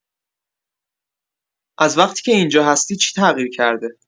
از وقتی که اینجا هستی چی تغییر کرده؟